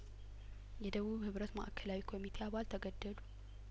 የደቡብ ህብረት ማእከላዊ ኮሚቴ አባል ተገደሉ